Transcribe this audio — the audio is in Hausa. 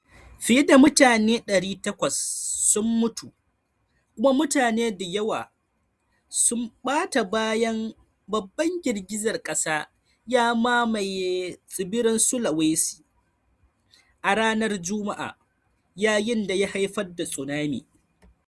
Fiye da mutane 800 sun mutu kuma mutane da yawa sun bata bayan babban girgizar kasa ya mamaye tsibirin Sulawesi a ranar Jumma'a, yayin da ya haifar da tsunami.